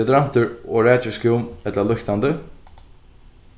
deodorantur og rakiskúm ella líknandi